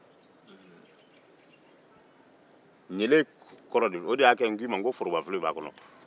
o de y'a kɛ n ko i ma ko forobafili b'a kɔnɔ